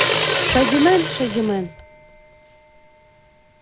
шадимен шадимен